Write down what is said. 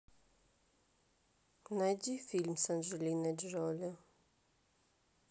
найди фильмы с анджелиной джоли